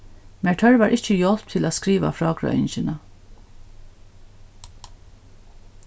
mær tørvar ikki hjálp til at skriva frágreiðingina